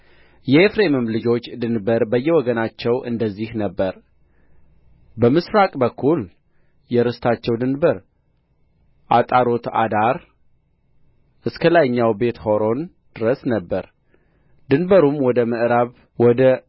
የኤፍሬምም ልጆች ድንበር በየወገኖቻቸው እንደዚህ ነበረ በምሥራቅ በኩል የርስታቸው ድንበር አጣሮትአዳር እስከ ላይኛው ቤትሖሮን ድረስ ነበረ ድንበሩም ወደ ምዕራብ ወደ